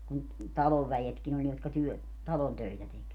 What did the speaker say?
kun talon väetkin oli jotka - talon töitä teki